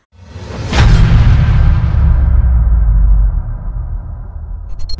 cảm ơn và hẹn gặp lại anh chị ở video tiếp theo